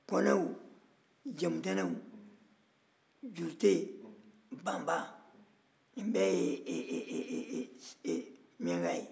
kɔnɛw jamutɛnɛw jurutew bamba nin bɛɛ ye ɛɛ ɛɛ miniyankaw ye